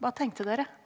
hva tenkte dere?